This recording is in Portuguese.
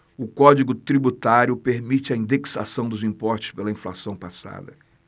o código tributário só permite a indexação dos impostos pela inflação passada